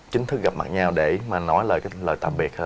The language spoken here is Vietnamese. chính thức gặp mặt nhau để mà nói lời lời tạm biệt